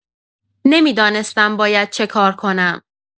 نمی‌دانستم باید چکار کنم.